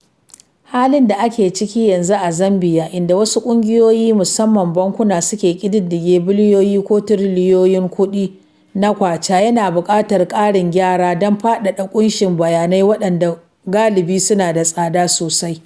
Halin da ake ciki yanzu a Zambiya, inda wasu ƙungiyoyi, musamman bankuna suke ƙididdige biliyoyi ko tiriliyoyin kuɗi na Kwacha, yana buƙatar ƙarin gyara don faɗaɗa ƙunshin bayanai, waɗanda galibi suna da tsada sosai.